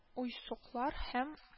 Уйсуклар һәм